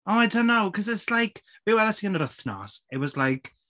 Oh I don't know because it's like be weles i yn yr wythnos it was like...